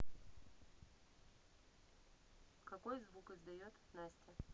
какой звук издает настя